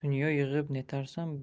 dunyo yig'ib netarsan